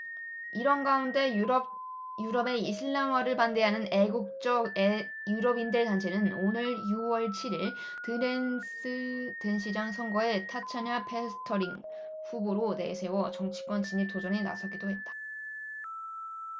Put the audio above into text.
이런 가운데 유럽의 이슬람화를 반대하는 애국적 유럽인들 단체는 오는 유 월 칠 일 드레스덴시장 선거에 타챠나 페스터링을 후보로 내세워 정치권 진입 도전에 나서기로 했다